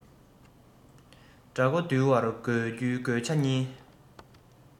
དགྲ མགོ འདུལ བར དགོས རྒྱུའི དགོས ཆ གཉིས